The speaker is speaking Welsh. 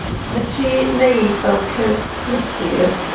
Wnes i wneud fel cylchlythyr.